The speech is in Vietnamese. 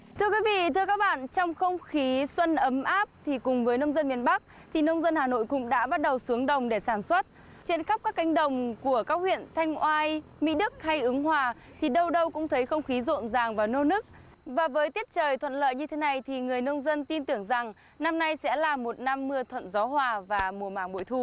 thưa quý vị thưa các bạn trong không khí xuân ấm áp thì cùng với nông dân miền bắc thì nông dân hà nội cũng đã bắt đầu xuống đồng để sản xuất trên khắp các cánh đồng của các huyện thanh oai mỹ đức hay ứng hòa thì đâu đâu cũng thấy không khí rộn ràng và nô nức và với tiết trời thuận lợi như thế này thì người nông dân tin tưởng rằng năm nay sẽ là một năm mưa thuận gió hòa và mùa màng bội thu